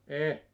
en